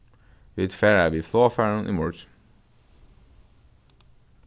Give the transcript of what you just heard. vit fara við flogfarinum í morgin